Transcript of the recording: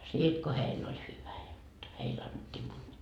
siitä kun heillä oli hyvä jotta heille annettiin munia